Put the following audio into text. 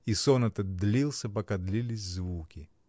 И сон этот длился, пока длились звуки.